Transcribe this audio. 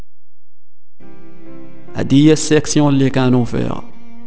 هديه سكسي واللي كانو فيها